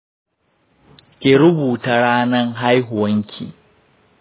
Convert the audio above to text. ki rubuta ranan haihuwanki.